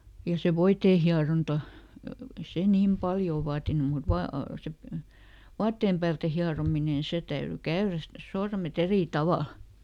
ja se voiteen hieronta ei se niin paljon vaatinut mutta - se vaatteen päältä hierominen niin se täytyi käydä sitten sormet eri tavalla